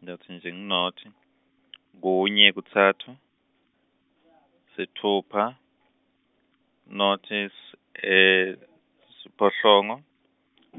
ngitokutsinjenothi- , kunye kutsatfu , sitsupha, notes-, siphohlongo ,